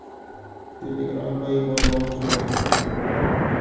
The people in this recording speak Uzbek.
telegramma yubormoqchiman